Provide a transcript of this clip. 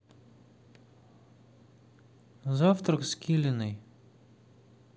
завтрак с килиной